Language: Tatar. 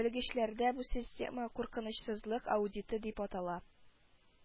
Белгечләрдә бу система “куркынычсызлык аудиты” дип атала